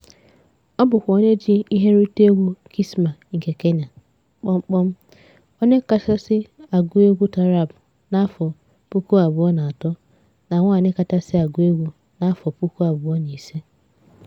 Ọ bụkwa onye ji ihe Nrite Egwu Kisima nke Kenya: Onye Kachasị Agụegwu Taraab na 2003 na Nwaanyị Kachasị Agụegwu na 2005.